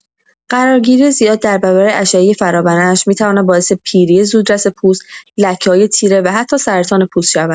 قرارگیری زیاد در برابر اشعه فرابنفش می‌تواند باعث پیری زودرس پوست، لکه‌های تیره و حتی سرطان پوست شود.